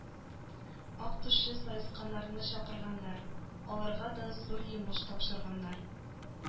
Ак түшле саесканнарны чакырганнар, аларга да зур йомыш тапшырганнар.